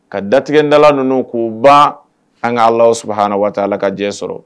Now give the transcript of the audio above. Ka datigɛda ninnu k'u ba an k'a la su hhaana waati ala ka jɛ sɔrɔ